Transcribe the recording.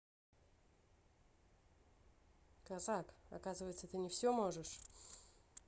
kazakh оказываться ты не все можешь